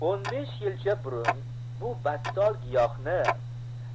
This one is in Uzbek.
o'n besh yilcha bumn bu battol giyohni